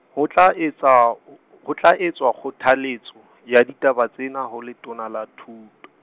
ho tla etswa, h- ho tla etswa kgothaletso ya ditaba tsena ho Letona la Thuto.